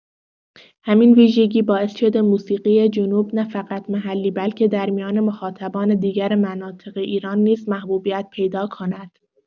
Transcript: همین ویژگی باعث شده موسیقی جنوب نه‌فقط محلی بلکه در میان مخاطبان دیگر مناطق ایران نیز محبوبیت پیدا کند.